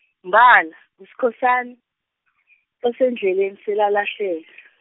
mbala, nguSkhosana, usendleleni selalahle- .